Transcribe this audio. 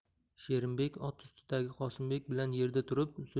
sherimbek ot ustidagi qosimbek bilan